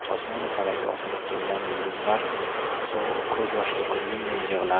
osmon u falakda osilib turgan yulduzlar sovuq ko'z yosh to'kib yum yum yiglar